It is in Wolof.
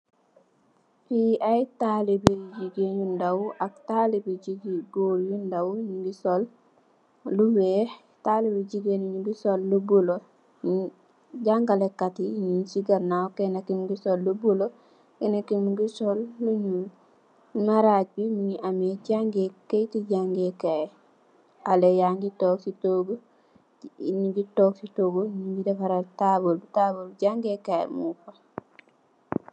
Fii ay taalube yu jigéen yu ndaw ak taalube yu goor yu ndaw, ñu ngi sol, lu weex, taalube yu jigéen yi, ñu ngi sol, lu bulo, jaangale kat yi, ñung si ganaaw. Keena ki mu ngi sol lu bulo, Keena ki mu ngi sol, lu ñuul, maraaj bi, mu ngi am kayiti jañgee kaay, xalé yangi toog si toogu, ñu ngi defaral taabul, taabul jaangee kaay muñ fa.